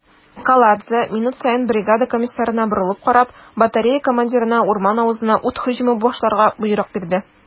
Каладзе, минут саен бригада комиссарына борылып карап, батарея командирына урман авызына ут һөҗүме башларга боерык бирде.